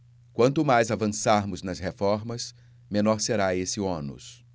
quanto mais avançarmos nas reformas menor será esse ônus